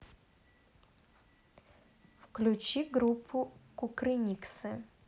включи группу кукрыниксы